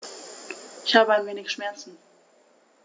Ich habe ein wenig Schmerzen.